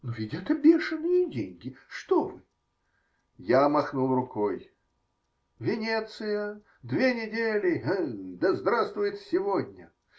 -- Но ведь это бешеные деньги, что вы?! Я махнул рукой. Венеция? Две недели? Ге! Да здравствует "сегодня"!